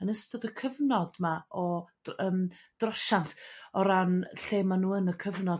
yn ystod y cyfnod 'ma o d- ym drosiant o ran lle ma' nhw yn y cyfnod